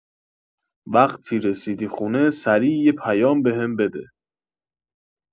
وقتی رسیدی خونه سریع یه پیام بهم بده